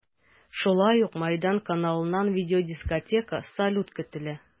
Шулай ук “Мәйдан” каналыннан видеодискотека, салют көтелә.